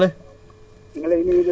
serigne Lo noo def